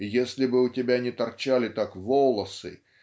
и если бы у тебя не торчали так волосы